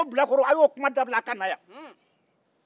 u ko bilakorow a' y'o kuma dabila a ka na yan